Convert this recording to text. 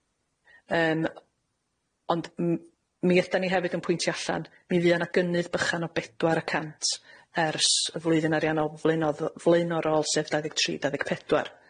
Yym ond m- mi ydan ni hefyd yn pwyntio allan, mi fu yna gynnydd bychan o bedwar y cant ers y flwyddyn ariannol flaenodd- flaenorol, sef dau ddeg tri dau ddeg pedwar.